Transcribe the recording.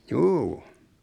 juu